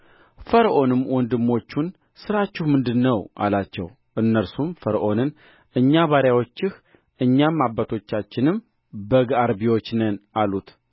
ፈርዖንም ወንድሞቹን ሥራችሁ ምንድር ነው አላቸው እነርሱም ፈርዖንን እኛ ባሪያዎችህ እኛም አባቶቻችንም በግ አርቢዎች ነን አሉት